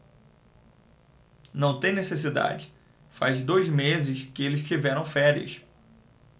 não tem necessidade faz dois meses que eles tiveram férias